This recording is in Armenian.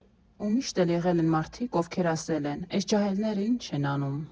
Ու միշտ էլ եղել են մարդիկ, ովքեր ասել են՝ «Էս ջահելները ի՜նչ են անում»։